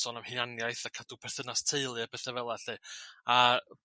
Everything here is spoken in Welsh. sôn am huaniaeth a cadw perthynas teulu a betha' fela' 'llu a